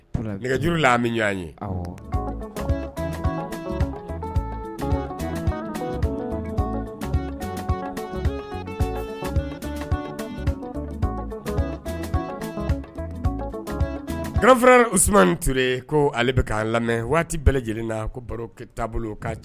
Gffasmanur ko ale bɛ ka lamɛn waati bɛɛ lajɛlen na baro taabolo